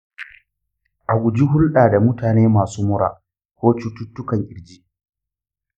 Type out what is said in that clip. a guji hulɗa da mutane masu mura ko cututtukan ƙirji.